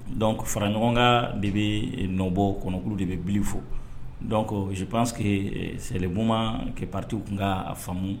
Dɔn fara ɲɔgɔn kan de bɛ n nɔbɔ kɔnɔkulu de bɛ bi fo dɔn kɔ zp que sɛleb ke patiw tun ka faamumu